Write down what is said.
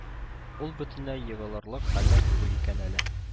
Ул бөтенләй егылырлык хәлдә түгел икән әле